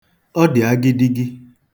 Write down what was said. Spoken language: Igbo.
Ọ dị agidigi.